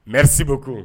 Merci beaucoup